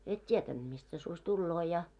et tietänyt mistä se susi tulee ja